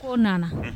Ko o nana